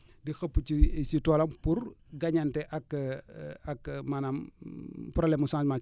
di xëpp ci si toolam pour gagner wante ak ak maanaam problème mu changement